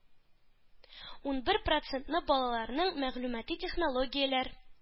Унбер проценты балаларының мәгълүмати технологияләр,